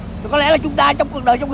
thì có lẽ là chúng ta trong cuộc đời con